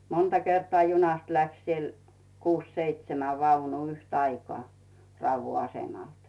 monta kertaa junasta lähti siellä kuusi seitsemän vaunua yhtä aikaa Raudun asemalta